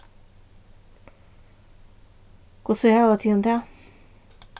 hvussu hava tygum tað